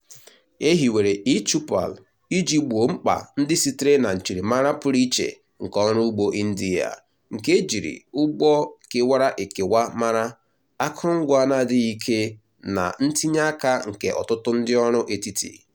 E hiwere e Choupal iji gboo mkpa ndị sitere na njirimara pụrụ iche nke ọrụugbo India, nke e jiri ugbo kewara ekewa mara, akụrụngwa n'adịghị ike na ntinye aka nke ọtụtụ ndịọrụ etiti…